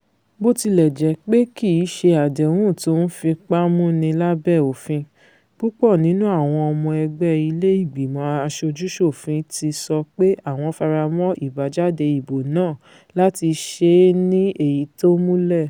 Bó tilẹ̀ jé pé kìí ṣe àdéhùn tó ń fipá múni lábẹ̀ òfin, púpọ̀ nínú àwọn ọmọ ẹgbẹ́ ilé ìgbìmọ aṣojú-ṣòfin ti sọ pé àwọn faramọ̀ àbájáde ìbò náà láti ṣeé ní èyití tó múlẹ̀.